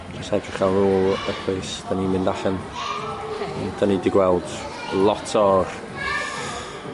jyst edrych ar ôl y place. 'Dan ni'n mynd allan... Oce. ...'dan ni 'di gweld lot o'r